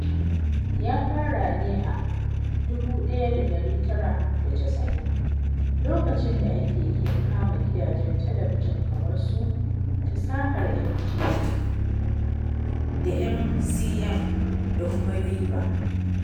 Ya fara ne a 1990 lokacin da ake iya kama gidajen talabijin kamar su tasahar MTV da MCM da kuma VIVA.